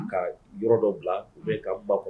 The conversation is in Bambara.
Ka yɔrɔ dɔ bila u bɛ ka ba kɔ